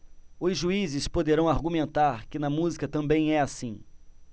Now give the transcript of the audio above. os juízes poderão argumentar que na música também é assim